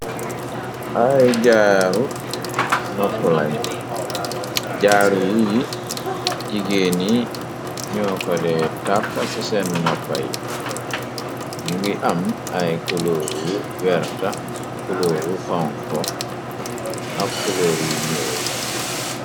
Ay jaaru noppalañ, jaaru yi i jigée ni ñoo kote tàkka ci seen noppa yi, nu ngi am ay kuloor yu werta, kulóoru xonxo, ax kulóor yu ñuul.